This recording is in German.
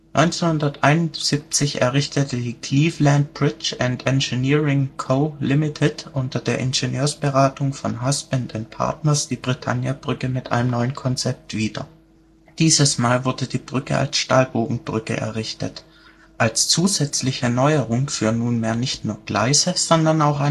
1971 errichtete die Cleveland Bridge & Engineering Co. Ltd. unter der Ingeneursberatung von Husband & Partners die Britanniabrücke mit einem neuen Konzept wieder. Dieses mal wurde die Brücke als Stahlbogenbrücke errichtet. Als zusätzliche Neuerung führen nunmehr nicht nur Gleise sondern auch